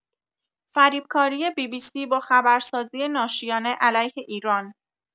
فریبکاری بی‌بی‌سی با خبرسازی ناشیانه علیه ایران